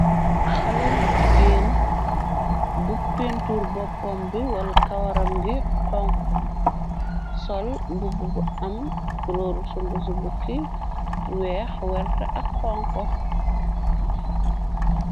Xale bu jigéen bu pintuur boppom bi watt kawaram gi xonxo sol bubu bu am klooru sungufi bukki, weex, werte ak xonko.